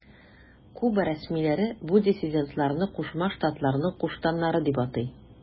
Куба рәсмиләре бу диссидентларны Кушма Штатларның куштаннары дип атый.